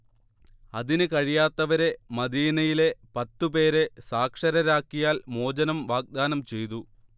അതിന് കഴിയാത്തവരെ മദീനയിലെ പത്ത് പേരെ സാക്ഷരരാക്കിയാൽ മോചനം വാഗ്ദാനം ചെയ്തു